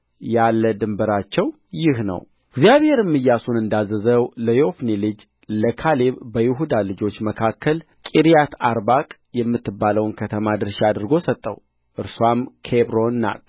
ያለ ድንበራቸው ይህ ነው እግዚአብሔርም ኢያሱን እንዳዘዘው ለዮፎኒ ልጅ ለካሌብ በይሁዳ ልጆች መካከል ቂርያትአርባቅ የምትባለውን ከተማ ድርሻ አድርጎ ሰጠው እርስዋም ኬብሮን ናት